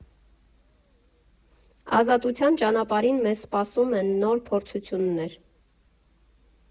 Ազատության ճանապարհին մեզ սպասում են նոր փորձություններ։